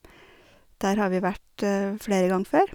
Der har vi vært flere ganger før.